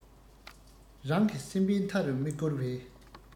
རང གི སེམས པའི མཐའ རུ མི སྐོར བའི